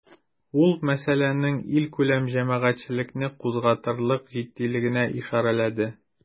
Ул мәсьәләнең илкүләм җәмәгатьчелекне кузгатырлык җитдилегенә ишарәләде.